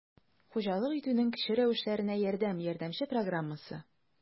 «хуҗалык итүнең кече рәвешләренә ярдәм» ярдәмче программасы